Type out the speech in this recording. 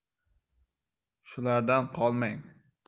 shulardan qolmang